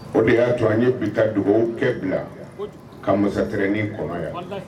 O de y'a to an ye bi ta dugawu kɛ bila ka masatɛrɛnin kɔnɔ yan